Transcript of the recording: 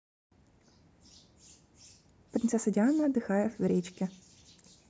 принцесса диана отдыхает в речке